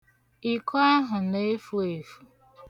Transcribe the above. Iko ahụ na-efu efu.